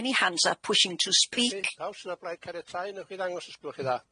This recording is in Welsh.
any hands up wishing to speak. caniatau a wnewch chi ddangos os gwelwch yn dda?